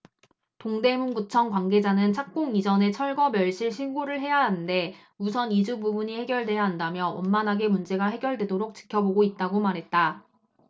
동대문구청 관계자는 착공 이전에 철거 멸실 신고를 해야 하는데 우선 이주 부분이 해결돼야 한다며 원만하게 문제가 해결되도록 지켜보고 있다고 말했다